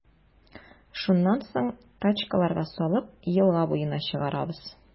Шуннан соң, тачкаларга салып, елга буена чыгарабыз.